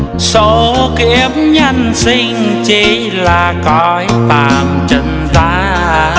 số kiếp nhân sinh chỉ là cõi tàn trần gian